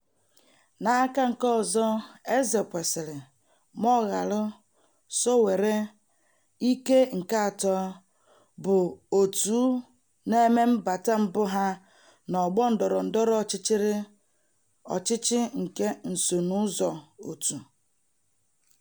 N'aka nke ọzọ, Ezekwesili, Moghalu, Sowore, "ike nke atọ", bụ òtù na-eme mbata mbụ ha n'ọgbọ ndọrọ ndọrọ ọchịchị nke nsonụzọòtù.